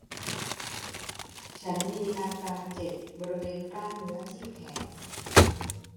ฉันมีอาการเจ็บบริเวณกล้ามเนื้อที่แขน